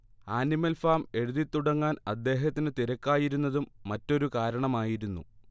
animal Farm എഴുതിത്തുടങ്ങാൻ അദ്ദേഹത്തിന് തിരക്കായിരുന്നതും മറ്റൊരു കാരണമായിരുന്നു